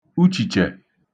uchìchè